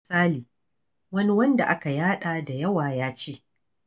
Misali, wani wanda aka yaɗa da yawa ya ce: